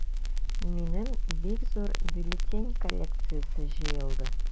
Минем бик зур бюллетень коллекциясе җыелды.